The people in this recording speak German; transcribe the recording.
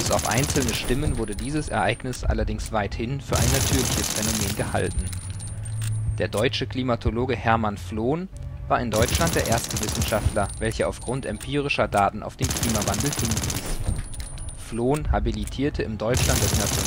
auf einzelne Stimmen wurde dieses Ereignis allerdings weithin für ein natürliches Phänomen gehalten. Der deutsche Klimatologe Hermann Flohn war in Deutschland der erste Wissenschaftler, welcher aufgrund empirischer Daten auf den Klimawandel hinwies. Flohn habilitierte im Deutschland des Nationalsozialismus